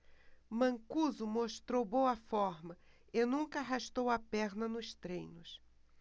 mancuso mostrou boa forma e nunca arrastou a perna nos treinos